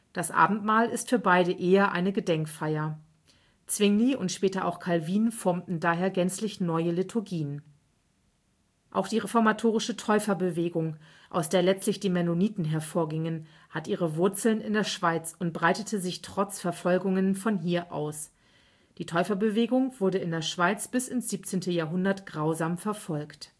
Das Abendmahl ist für beide eher eine Gedenkfeier. Zwingli und später auch Calvin formten daher gänzlich neue Liturgien. Auch die reformatorische Täuferbewegung, aus der letztlich die Mennoniten hervorgingen, hat ihre Wurzeln in der Schweiz und breitete sich trotz Verfolgungen von hier aus. Die Täuferbewegung wurde in der Schweiz bis ins 17. Jahrhundert grausam verfolgt